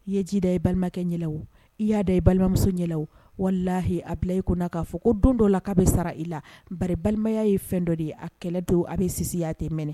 I ye ji da ye balimakɛ ɲɛ na wo, i y'a da ye balimamuso ɲɛ na wo, walahi a bila i kun na k'a fɔ ko don dɔ la k'a bɛ sara i la bari balimaya ye fɛn dɔ de ye a kɛlɛ don a bɛ sisi a tɛ mɛnɛ